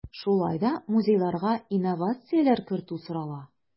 Шулай да музейларга инновацияләр кертү сорала.